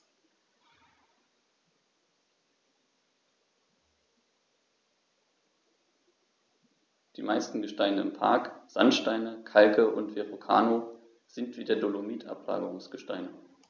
Die meisten Gesteine im Park – Sandsteine, Kalke und Verrucano – sind wie der Dolomit Ablagerungsgesteine.